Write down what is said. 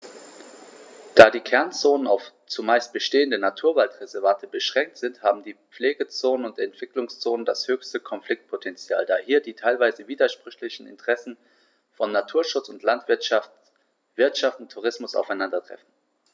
Da die Kernzonen auf – zumeist bestehende – Naturwaldreservate beschränkt sind, haben die Pflegezonen und Entwicklungszonen das höchste Konfliktpotential, da hier die teilweise widersprüchlichen Interessen von Naturschutz und Landwirtschaft, Wirtschaft und Tourismus aufeinandertreffen.